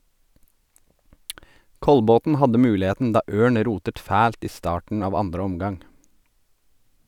Kolbotn hadde muligheten da Ørn rotet fælt i starten av 2. omgang.